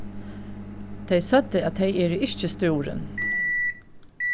tey søgdu at tey eru ikki stúrin